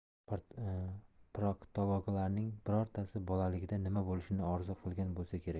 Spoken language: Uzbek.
proktologlarning birortasi bolaligida nima bo'lishini orzu qilgan bo'lsa kerak